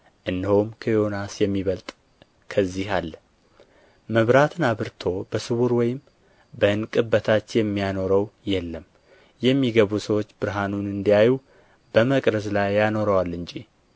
እነሆም ከዮናስ የሚበልጥ ከዚህ አለ መብራትንም አብርቶ በስውር ወይም በእንቅብ በታች የሚያኖረው የለም የሚገቡ ሰዎች ብርሃኑን እንዲያዩ በመቅረዝ ላይ ያኖረዋል እንጂ